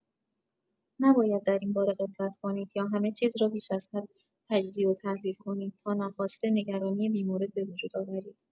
نباید در این‌باره غفلت کنید یا همه‌چیز را بیش از حد تجزیه‌وتحلیل کنید تا ناخواسته نگرانی بی‌مورد به وجود آورید.